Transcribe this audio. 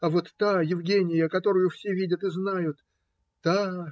А вот та Евгения, которую все видят и знают, та